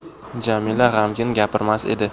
jamila g'amgin gapirmas edi